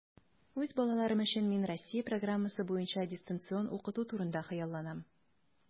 Үз балаларым өчен мин Россия программасы буенча дистанцион укыту турында хыялланам.